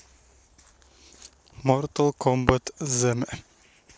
mortal kombat theme